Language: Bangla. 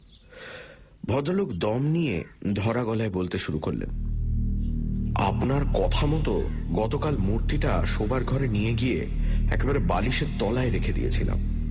ভদ্রলোক দম নিয়ে ধরা গলায় বলতে শুরু করলেন আপনার কথা মতো গতকাল মূর্তিটা শোবার ঘরে নিয়ে গিয়ে একেবারে বালিশের তলায় রেখে দিয়েছিলাম